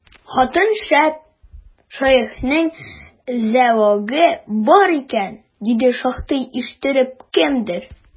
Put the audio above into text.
Хатын шәп, шәехнең зәвыгы бар икән, диде шактый ишеттереп кемдер.